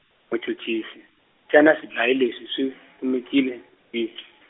muchuchisi, xana swidlayi leswi swi kumekile kwihi ?